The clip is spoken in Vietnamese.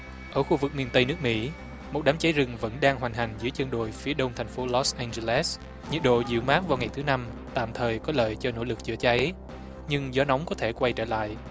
ở khu vực miền tây nước mỹ một đám cháy rừng vẫn đang hoành hành dưới chân đồi phía đông thành phố lót an dơ lét nhiệt độ dịu mát vào ngày thứ năm tạm thời có lợi cho nỗ lực chữa cháy nhưng gió nóng có thể quay trở lại